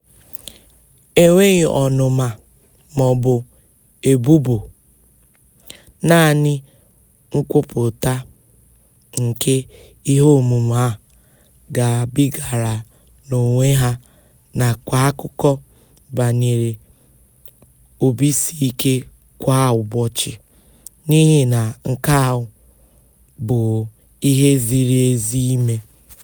Enweghị ọnụma maọbụ ebubo, naanị nkwupụta nke iheomume a gabigara n'onwe ha nakwa akụkọ banyere obiisiike kwa ụbọchị n'ihi na nke ahụ bụ ihe ziri ezi ime.